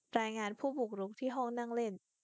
รายงานผู้บุกรุกที่ห้องนั่งเล่น